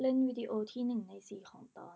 เล่นวีดิโอที่หนึ่งในสี่ของตอน